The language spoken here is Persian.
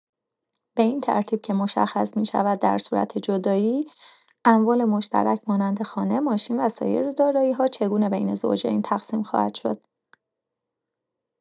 به این ترتیب که مشخص می‌شود در صورت جدایی، اموال مشترک مانند خانه، ماشین و سایر دارایی‌ها چگونه بین زوجین تقسیم خواهد شد.